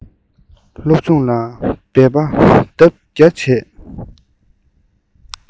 སློབ སྦྱོང ལ འབད པ ལྡབ བརྒྱ བྱ